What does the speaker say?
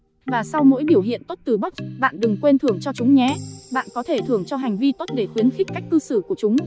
và sau mỗi biểu hiện tốt từ boss bạn đừng quên thưởng cho chúng nhé bạn có thể thưởng cho hành vi tốt để khuyến khích cách cư xử của chúng